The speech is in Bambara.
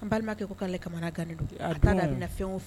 An balimakɛ k'ale kamana la fɛn